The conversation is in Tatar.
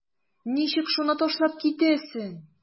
Ничек шуны ташлап китәсең?